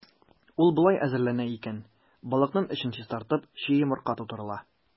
Ул болай әзерләнә икән: балыкның эчен чистартып, чи йомырка тутырыла.